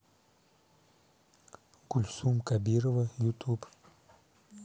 гульсум кабирова ютуб